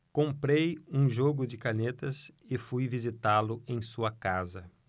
comprei um jogo de canetas e fui visitá-lo em sua casa